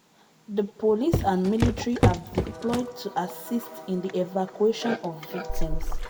The police and military have been deployed to assist in the evacuation of victims.